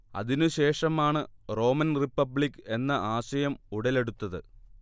അതിനു ശേഷം ആണ് റോമൻ റിപ്പബ്ലിക്ക് എന്ന ആശയം ഉടലെടുത്തത്